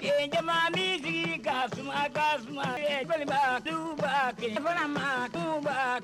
Miniyan min sigi ka tasuma ka sokɛ kɛ jelibaba kunbakumaba kunba